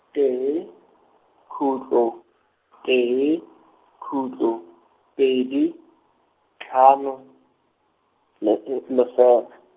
tee, khutlo, tee, khutlo, pedi, hlano, le lee lefela.